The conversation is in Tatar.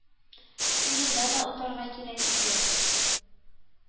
Уенда да отарга кирәк иде